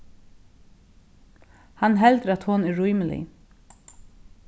hann heldur at hon er rímilig